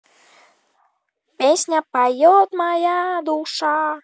песня поет моя душа